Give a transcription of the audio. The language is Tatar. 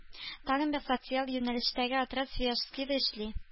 Тагын бер социаль юнәлештәге отряд Свияжскида эшли